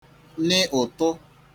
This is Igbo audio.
nị ụ̀tụ